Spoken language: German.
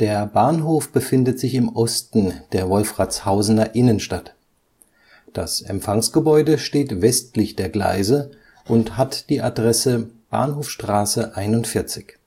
Der Bahnhof befindet sich im Osten der Wolfratshausener Innenstadt. Das Empfangsgebäude steht westlich der Gleise und hat die Adresse Bahnhofstraße 41.